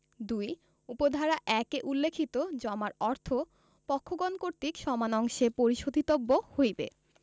২ উপ ধারা ১ এ উল্লেখিত জমার অর্থ পক্ষগণ কর্তৃক সমান অংশে পরিশোধিতব্য হইবে